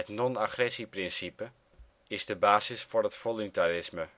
non-agressie principe is de basis voor het voluntarisme